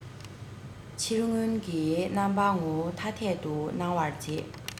ཕྱིར མངོན གྱི རྣམ པ ངོ བོ ཐ དད དུ སྣང བར བྱེད